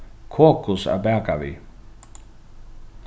kokus at baka við